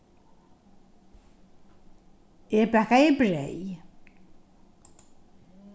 eg bakaði breyð